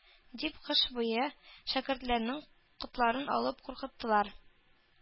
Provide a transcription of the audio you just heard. Дип кыш буе шәкертләрнең котларын алып куркыттылар.